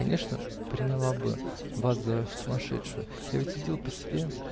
конечно, приняла бы вас за сумасшедшего. Я ведь судила по себе.